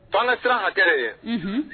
Fan siran hakɛ kɛra yehun